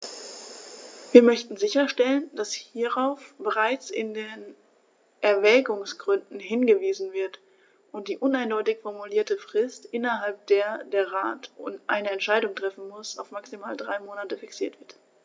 Wir möchten sicherstellen, dass hierauf bereits in den Erwägungsgründen hingewiesen wird und die uneindeutig formulierte Frist, innerhalb der der Rat eine Entscheidung treffen muss, auf maximal drei Monate fixiert wird.